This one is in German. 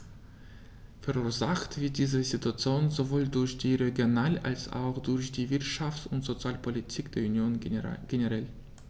Verursacht wird diese Situation sowohl durch die Regional- als auch durch die Wirtschafts- und Sozialpolitik der Union generell.